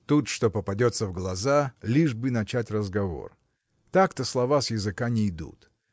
тут что попадется в глаза, лишь бы начать разговор так-то слова с языка нейдут.